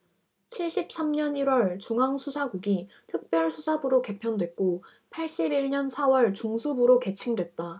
칠십 삼 년 일 월 중앙수사국이 특별수사부로 개편됐고 팔십 일 년 사 월 중수부로 개칭됐다